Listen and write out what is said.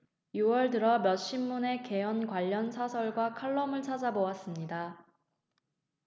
유 월 들어 몇 신문의 개헌 관련 사설과 칼럼을 찾아 보았습니다